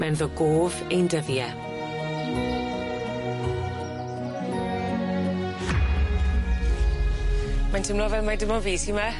Ma' ynddo gof ein dyddie. Mae'n teimlo fel mai dim on' fi sy 'my.